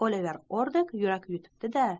oliver ordok yurak yutibdi da